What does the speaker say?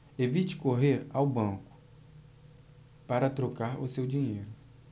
evite correr ao banco para trocar o seu dinheiro